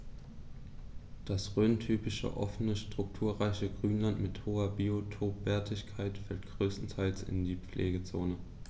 Das rhöntypische offene, strukturreiche Grünland mit hoher Biotopwertigkeit fällt größtenteils in die Pflegezone.